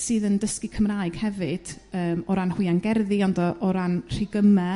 sydd yn dysgu Cymraeg hefyd yrm o ran hwiangerddi ond o o ran rhigyme